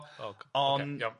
O oc- ocê iawn.